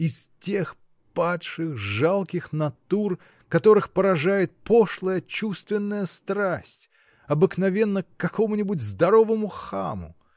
из тех падших, жалких натур, которых поражает пошлая, чувственная страсть — обыкновенно к какому-нибудь здоровому хаму!.